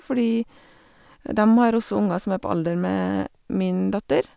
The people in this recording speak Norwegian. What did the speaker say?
Fordi dem har også unger som er på alder med min datter.